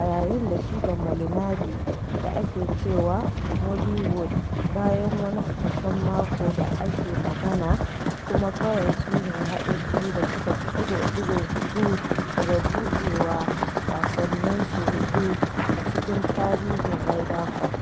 a yayin da shi da Molinari, da aka cewa "Molliwood" bayan wani ƙarshen mako da ake magana kuma kawai su ne haɗin biyu da suka ci ɗigo-ɗigo hudu daga budewa wasanninsu huɗu a cikin tarihin Ryder Cup.